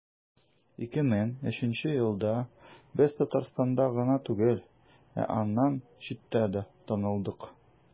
2003 елда без татарстанда гына түгел, ә аннан читтә дә танылдык.